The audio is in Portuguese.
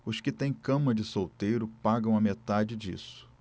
os que têm cama de solteiro pagam a metade disso